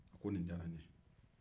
a ko nin diyara n ye